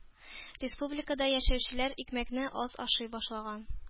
Республикада яшәүчеләр икмәкне аз ашый башлаган